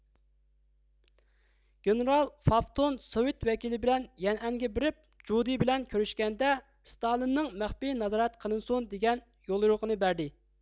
گېنېرال فافتون سوۋېت ۋەكىلى بىلەن يەنئەنگە بېرىپ جۇدې بىلەن كۆرۈشكەندە ستالىننىڭ مەخپىي نازارەت قىلىنسۇن دېگەن يوليورۇقىنى بەردى